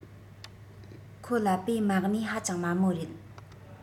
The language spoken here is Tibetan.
ཁོ ལ པའི མ གནས ཧ ཅང དམའ མོ རེད